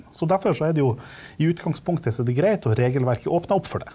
så derfor så er det jo i utgangspunktet så er det greit og regelverket åpner opp for det.